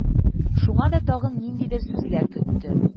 Шуңа да тагын ниндидер сүзләр көтте